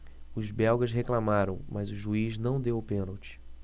os belgas reclamaram mas o juiz não deu o pênalti